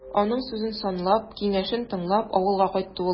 Аның сүзен санлап, киңәшен тыңлап, авылга кайтты ул.